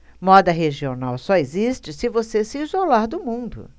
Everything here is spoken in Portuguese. moda regional só existe se você se isolar do mundo